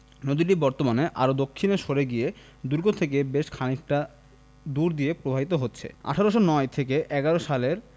নদীটি বর্তমানে আরও দক্ষিণে সরে গিয়ে দুর্গ থেকে বেশ খানিকটা দূর দিয়ে প্রবাহিত হচ্ছে ১৮০৯ ১১ সালের